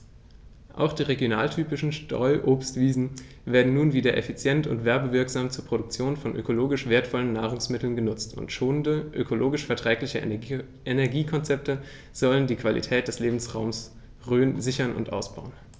Auch die regionaltypischen Streuobstwiesen werden nun wieder effizient und werbewirksam zur Produktion von ökologisch wertvollen Nahrungsmitteln genutzt, und schonende, ökologisch verträgliche Energiekonzepte sollen die Qualität des Lebensraumes Rhön sichern und ausbauen.